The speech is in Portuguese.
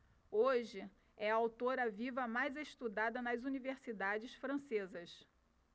hoje é a autora viva mais estudada nas universidades francesas